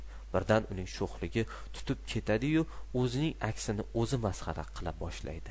birdan uning sho'xligi tutib ketadiyu o'zining aksini o'zi masxara qila boshlaydi